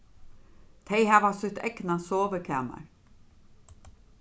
tey hava sítt egna sovikamar